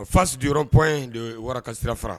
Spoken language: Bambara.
En face du rond point de wara ka sira fara